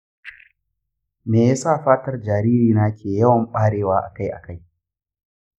me ya sa fatar jaririna ke yawan ɓarewa akai-akai?